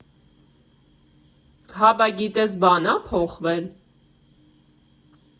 Հա բա, գիտես բան ա՞ փոխվել։